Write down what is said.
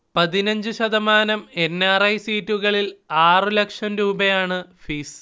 പതിനഞ്ച് ശതമാനം N. R. I സീറ്റുകളിൽ ആറ് ലക്ഷം രൂപയാണ് ഫീസ്